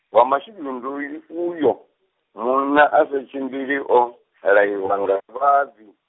wa mashudu ndi uyo, munna asa tshimbili o, laiwa nga vhavhi.